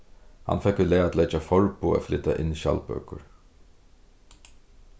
hann fekk í lag at leggja forboð at flyta inn skjaldbøkur